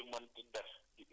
wàllub hygène